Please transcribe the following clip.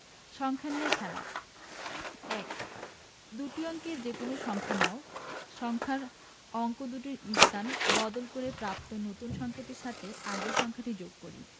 সংখ্যা নিয়ে খেলা ১ দুই অঙ্কের যেকোনো সংখ্যা নাও সংখ্যার অঙ্ক দুইটির স্থান বদল করে প্রাপ্ত নতুন সংখ্যাটির সাথে আগের সংখ্যাটি যোগ কর